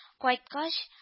Кайткач